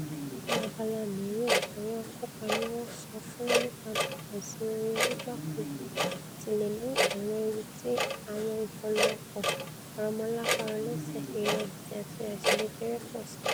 nínú abala mìíràn, àwọn akópa níwọ́n sọ fún nípa bí àìsí oorun onígbàtógùn ti leè mú àwọn ewu ti àwọn ìkọlù ọkàn, arọmọlápá-rọlẹ́sẹ̀, ìrẹ̀wẹ̀sí àti àìsàn jẹjẹrẹ pọ̀síi.